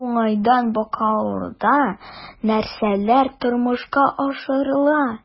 Бу уңайдан Бакалыда нәрсәләр тормышка ашырыла?